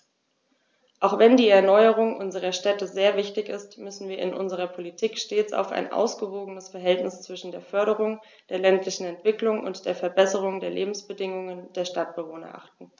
Auch wenn die Erneuerung unserer Städte sehr wichtig ist, müssen wir in unserer Politik stets auf ein ausgewogenes Verhältnis zwischen der Förderung der ländlichen Entwicklung und der Verbesserung der Lebensbedingungen der Stadtbewohner achten.